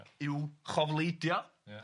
i'w chofleidio, ia,